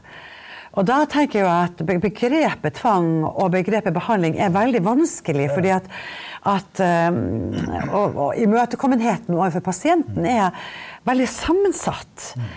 og da tenker jo jeg at begrepet tvang og begrepet behandling er veldig vanskelig fordi at at og og imøtekommenheten overfor pasienten er veldig sammensatt.